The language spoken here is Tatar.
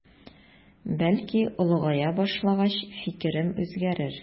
Бәлки олыгая башлагач фикерем үзгәрер.